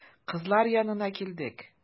Кызлар янына килдек.